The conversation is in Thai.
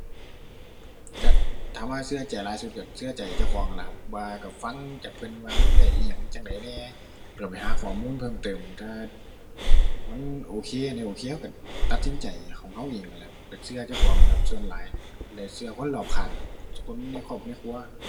ก็ ถามว่าก็ใจหลายสุดก็ก็ใจเจ้าของล่ะครับ ว่าก็ฟังจากเพิ่นว่า มันได้อิหยังจั่งใดแหน่ แล้วไปหาข้อมูลเพิ่มเติมถ้ามันโอเค อันใดโอเค ก็ก็ตัดสินใจของก็เองนั่นแหละครับ ก็ก็เจ้าของล่ะครับส่วนหลาย แล้วก็คนรอบข้างครับ คนในครอบในครัว